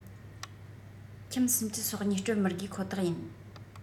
ཁྱིམ ༣༢ སྤྲོད མི དགོས ཁོ ཐག ཡིན